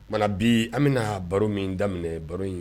O mana bi an bɛna baro min daminɛ baro in